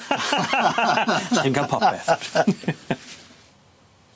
Sim ca'l popeth.